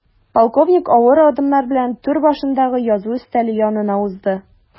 Полковник авыр адымнар белән түр башындагы язу өстәле янына узды.